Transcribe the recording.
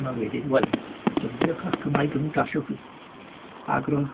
yma wedyn, wel, defnyddiwch 'ych Cymraeg gymaint gallwch chi, ag ro'dd